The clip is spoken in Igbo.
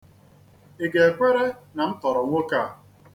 Ị ga-ekwere na m tọrọ nwoke a?